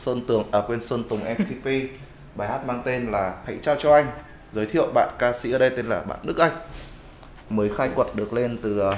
tường à quên sơn tùng mtp bài hát mang tên là hãy trao cho anh giới thiệu bạn ca sĩ sau đây tên là bạn đức anh mới khai quật được lên từ ờ à